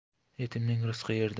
yetimning rizqi yerda